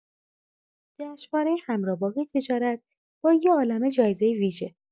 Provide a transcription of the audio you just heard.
جشنواره همراه بانک تجارت با یه عالمه جایزه ویژه